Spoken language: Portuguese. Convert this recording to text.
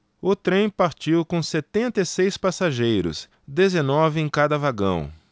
o trem partiu com setenta e seis passageiros dezenove em cada vagão